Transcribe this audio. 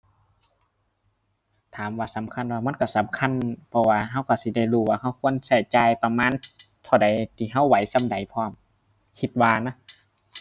ถามว่าสำคัญบ่ มันก็สำคัญ เพราะว่าก็ก็สิได้รู้ว่าก็ควรก็จ่ายประมาณเท่าใดที่ก็ไหวส่ำใดพร้อม คิดว่านะ